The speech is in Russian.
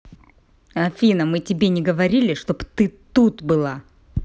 афина мы тебе не говорили чтоб ты тут была